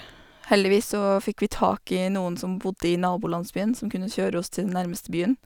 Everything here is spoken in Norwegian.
Heldigvis så fikk vi tak i noen som bodde i nabolandsbyen som kunne kjøre oss til den nærmeste byen.